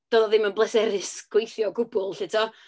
Doedd o ddim yn bleserus gweithio gwbl 'lly tibod.